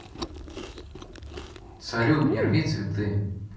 салют не рви цветы